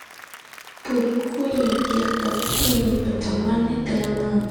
พูดคุยเกี่ยวกับชีวิตประจำวันในแต่ละมื้อ